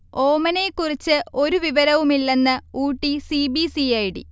ഓമനയെ കുറിച്ച് ഒരു വിവരവുമില്ലെന്ന് Ooty C. B. C. I. D